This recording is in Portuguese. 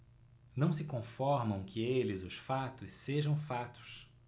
não se conformam que eles os fatos sejam fatos